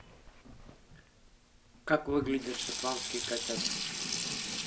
как выглядят шотландские котята